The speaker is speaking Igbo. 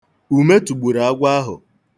Ume tụgburu agwọ ahụ.